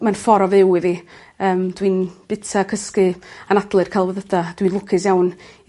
Ma'n ffor o fyw i fi yym dwi'n bita cysgu anadlu'r celfyddyda dwi lwcus iawn